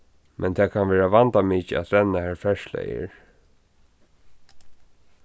men tað kann vera vandamikið at renna har ferðsla er